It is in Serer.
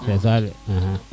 c' est ca de